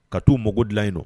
Ka t taa u mago dilan yen